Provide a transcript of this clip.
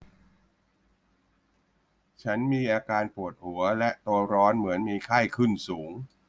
ฉันมีอาการปวดหัวและตัวร้อนเหมือนมีไข้ขึ้นสูง